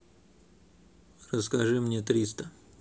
расскажи мне триста